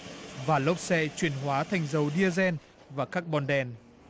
và lốp xe chuyển hóa thành dầu đi ê gien và các bon đen